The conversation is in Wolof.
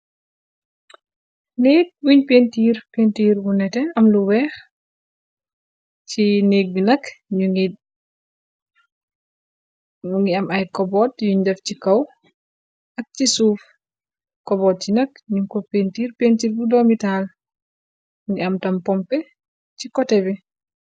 Néeg buñ pentiir péntiir bu nete am lu weex, ci néeg bi nakk mu ngi am ay koboot yuñ def ci kaw, ak ci suuf, koboot yi nak ñu ko péntiir péntiir bu doomitaal, ngi am tam pompe ci koté bi.